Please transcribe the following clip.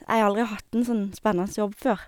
Jeg har aldri hatt en sånn spennende jobb før.